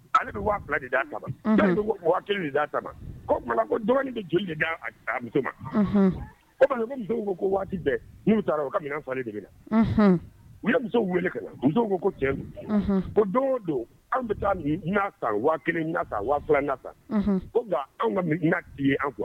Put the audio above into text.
Ale bɛ waati de d'a ta de da ta o tumaumana ko dɔgɔnin bɛ joli damuso ma o kɔni ko musow ko waati bɛɛ n'u taara u ka minɛn falenli de u ye muso weele wele ka musow ko ko cɛ o don o don anw bɛ taa tanlan ka tan ko nka anw ka ye an kuwa